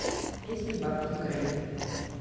песни бабки гренни